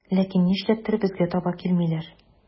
Ләкин нишләптер безгә таба килмиләр.